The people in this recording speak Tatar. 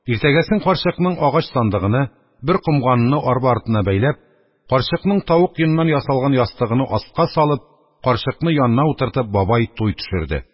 Иртәгесен карчыкның агач сандыгыны, бер комганыны арба артына бәйләп, карчыкның тавык йоныннан ясалган ястыгыны астка салып, карчыкны янына утыртып, бабай туй төшерде.